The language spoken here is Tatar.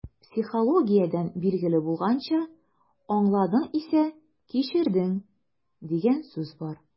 Психологиядән билгеле булганча, «аңладың исә - кичердең» дигән сүз бар.